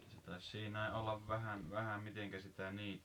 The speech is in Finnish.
se taisi siinäkin olla vähän vähän miten sitä niitti ja